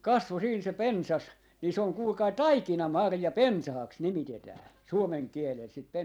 kasvoi siinä se pensas niin se on kuulkaa taikinamarjapensaaksi nimitetään suomen kielellä sitä -